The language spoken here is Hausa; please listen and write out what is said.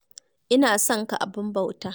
Ina son ka abin bauta!